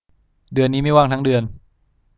เดือนนี้ไม่ว่างทั้งเดือน